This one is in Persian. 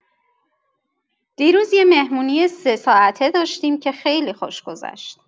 دیروز یه مهمونی سه‌ساعته داشتیم که خیلی خوش گذشت.